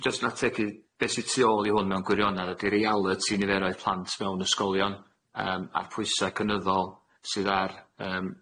So jyst yn ategu be' sy' tu ôl i hwn mewn gwirionedd ydi realiti niferoedd plant mewn ysgolion yym a'r pwysa' cynyddol sydd ar yym